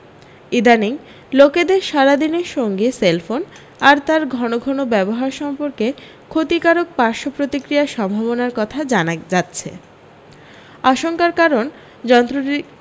ইদানীং লোকেদের সারাদিনের সঙ্গী সেলফোন আর তার ঘন ঘন ব্যবহার সম্পর্কে ক্ষতিকারক পার্শ্বপ্রতিক্রিয়ার সম্ভাবনার কথা জানা যাচ্ছে আশঙ্কার কারণ যন্ত্রটি